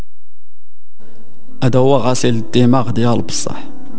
ادوات غسيل الدماغ بالصحه